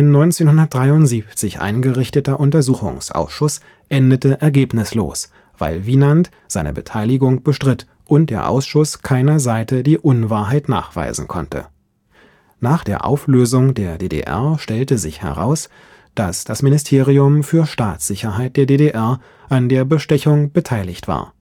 1973 eingerichteter Untersuchungsausschuss endete ergebnislos, weil Wienand seine Beteiligung bestritt und der Ausschuss keiner Seite die Unwahrheit nachweisen konnte. Nach der Auflösung der DDR stellte sich heraus, dass das Ministerium für Staatssicherheit (Stasi) der DDR an der Bestechung beteiligt war